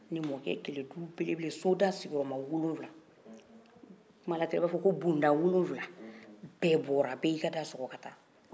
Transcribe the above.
ne mɔkɛ kelen du belebele soda sigiyɔrɔma wolonwula kumala bulonda wolonwula bɛɛ bɔra bɛɛ y'i ka da sɔgɔ